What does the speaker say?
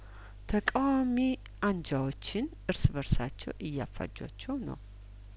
ተቃዋሚ አንጃዎችን እርስ በርሳቸው እያፋጇቸው ነው